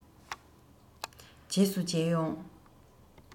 རྗེས སུ མཇལ ཡོང